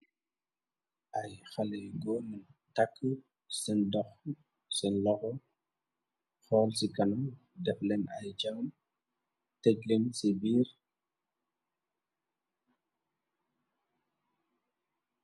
ay xaley goonen takk seen dox seen loxo xool ci kanaw def leen ay jawm tejlen ci biir